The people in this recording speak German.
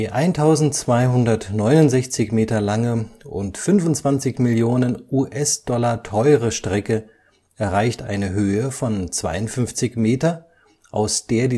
1269 Meter lange und 25 Millionen US-Dollar teure Strecke erreicht eine Höhe von 52 Meter, aus der